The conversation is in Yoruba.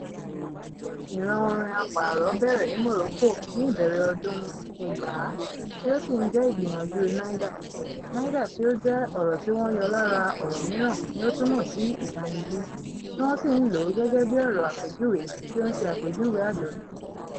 Ìran orin apààrọ̀ bẹ̀rẹ̀ ní Morocco ní ìbẹ̀rẹ̀ ọdún 2000 tí ó sì ń jẹ́ ìgbìyànjú Nayda ("nayda" tí ó jẹ́ ọ̀rọ̀ tí wọ́n yọ lára ọ̀rọ̀ mìíràn ni ó túmọ̀ sí "ìtanijí", tí wọ́n sì ń lò ó gẹ́gẹ́ bí ọ̀rọ̀ àpèjúwe tí ó ń ṣe àpèjúwe àjọ̀dún).